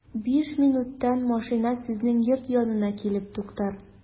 Биш минуттан машина сезнең йорт янына килеп туктар.